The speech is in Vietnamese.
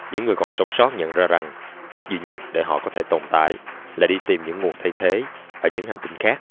những người còn sống sót nhận ra rằng cách duy nhất để họ có thể tồn tại là đi tìm những nguồn thay thế ở những hành tinh khác